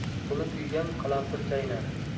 puli kuygan qalampir chaynar